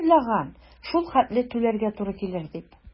Кем уйлаган шул хәтле түләргә туры килер дип?